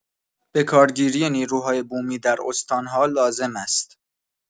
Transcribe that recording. به‌کارگیری نیروهای بومی در استان‌ها لازم است.